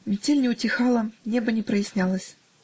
Метель не утихала, небо не прояснялось.